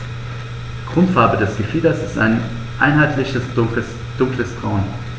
Grundfarbe des Gefieders ist ein einheitliches dunkles Braun.